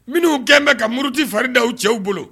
Minnu kɛnbɛ ka muruti fari da u cɛw bolo